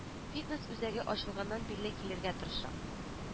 Фитнес үзәге ачылганнан бирле килергә тырышам